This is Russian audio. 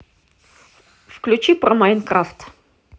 включи про майнкрафт